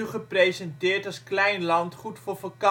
gepresenteerd als klein landgoed voor vakantieverblijf